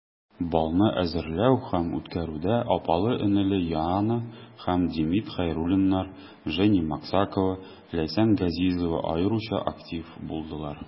Балны әзерләү һәм үткәрүдә апалы-энеле Яна һәм Демид Хәйруллиннар, Женя Максакова, Ләйсән Газизова аеруча актив булдылар.